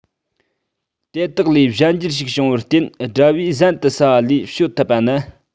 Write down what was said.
དེ དག ལ གཞན འགྱུར ཞིག བྱུང བར བརྟེན དགྲ བོས ཟན དུ ཟ བ ལས བྱོལ ཐུབ པ ན